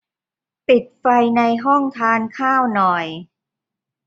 ปิดไฟในห้องทานข้าวหน่อย